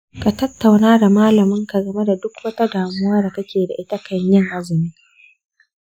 ka tattauna da malamin ka game da duk wata damuwa da kake da ita kan yin azumi.